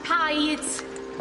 Paid!